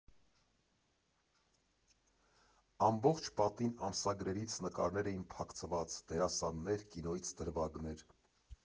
Ամբողջ պատին ամսագրերից նկարներ էին փակցված՝ դերասաններ, կինոյից դրվագներ։